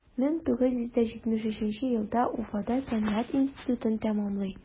1973 елда уфада сәнгать институтын тәмамлый.